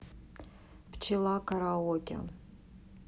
пчела караоке